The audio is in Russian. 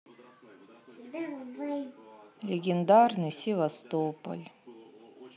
легендарный севастополь